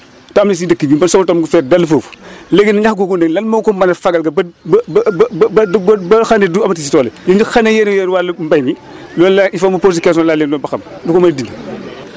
te am na si dëkk bii man sama tool mu ngi fees dell foofu léegi ñax googu nag lan moo ko mën a faagaagal ba ba ba ba ba ba du ba ba nga xam ni du amati si tool yi yéen ñi nga xam ne yéen a yor wàllum mbéy mi loolu laa il faut ma posé question laaj leen loolu ba xam lu ko mën dindi